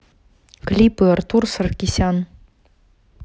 клипы артур саркисян